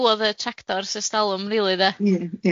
D- nw o'dd y tractor ers stalwm rili 'de.